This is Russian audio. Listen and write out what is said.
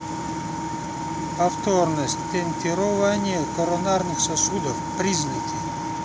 повторное стентирование коронарных сосудов признаки